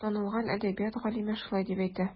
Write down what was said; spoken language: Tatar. Танылган әдәбият галиме шулай дип әйтә.